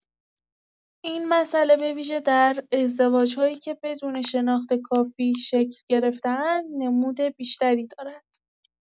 این مسئله به‌ویژه در ازدواج‌هایی که بدون شناخت کافی شکل گرفته‌اند، نمود بیشتری دارد.